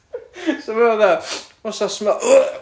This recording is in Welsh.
So ma' o fatha "What's that smell?"